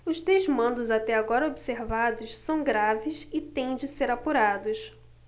os desmandos até agora observados são graves e têm de ser apurados